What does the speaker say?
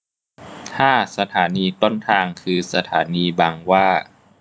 ถ้าสถานีต้นทางคือสถานีบางหว้า